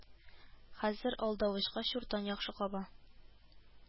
Хәзер алдавычка чуртан яхшы каба